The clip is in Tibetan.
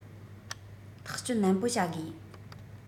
ཐག གཅོད ནན པོ བྱ དགོས